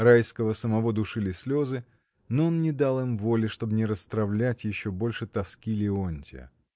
Райского самого душили слезы, но он не дал им воли, чтоб не растравлять еще больше тоски Леонтья.